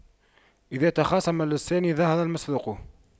إذا تخاصم اللصان ظهر المسروق